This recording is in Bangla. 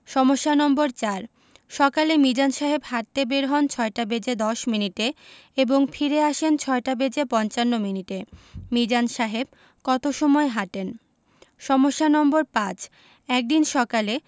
সমস্যা নম্বর ৪ সকালে মিজান সাহেব হাঁটতে বের হন ৬টা বেজে ১০ মিনিটে এবং ফিরে আসেন ৬টা বেজে পঞ্চান্ন মিনিটে মিজান সাহেব কত সময় হাঁটেন সমস্যা নম্বর ৫ একদিন সকালে